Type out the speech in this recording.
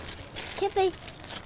chíp vi